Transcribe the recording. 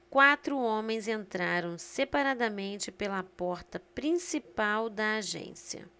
quatro homens entraram separadamente pela porta principal da agência